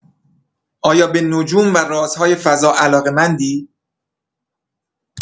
آیا به نجوم و رازهای فضا علاقه‌مندی؟